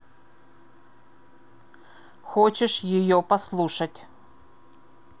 хочешь ее послушать